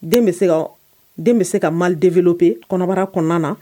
Den bɛ den bɛ se ka mali denvelelo pe kɔnɔbarara kɔnɔna na